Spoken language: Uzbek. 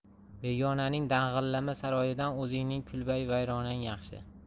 begonaning dang'illama saroyidan o'zingning kulbayi vayronang yaxshi